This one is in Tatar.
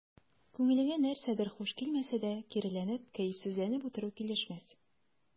Күңелеңә нәрсәдер хуш килмәсә дә, киреләнеп, кәефсезләнеп утыру килешмәс.